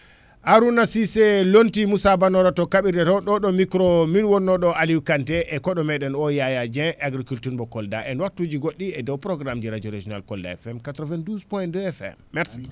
Harouna Cissé lomti Moussa Bannora to kaɓirɗe to ɗo ɗo micro min wonno ɗo Aliou Kanté e koɗo meɗen o Yaya Dieng agriculture mo Koldaen waktuji goɗɗi e dow programme ɗi Kolda FM 92 PONT 2 FM merci